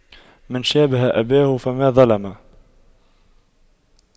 من شابه أباه فما ظلم